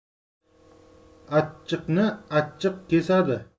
achchiqni achchiq kesadi